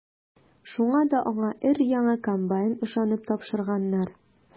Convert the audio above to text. Шуңа да аңа өр-яңа комбайн ышанып тапшырганнар.